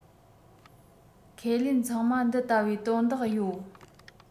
ཁས ལེན ཚང མ འདི ལྟ བུའི དོན དག ཡོད